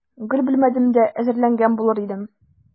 Гел белмәдем дә, әзерләнгән булыр идем.